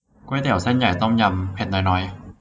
ก๋วยเตี๋ยวเส้นใหญ่ต้มยำเผ็ดน้อยน้อย